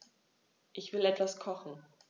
Ich will etwas kochen.